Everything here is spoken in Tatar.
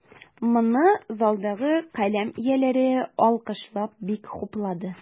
Моны залдагы каләм ияләре, алкышлап, бик хуплады.